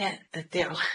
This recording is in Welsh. Ie y diolch.